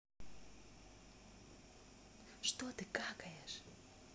что ты какаешь